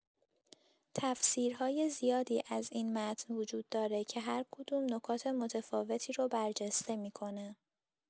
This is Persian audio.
تفسیرهای زیادی از این متن وجود داره که هرکدوم نکات متفاوتی رو برجسته می‌کنه.